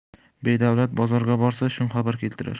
bedavlat bozorga borsa shum xabar keltirar